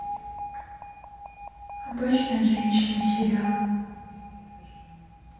обычная женщина сериал